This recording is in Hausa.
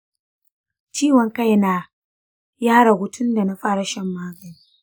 ciwon kai na ya ragu tun da na fara shan magani.